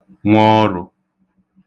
nwọọrụ̄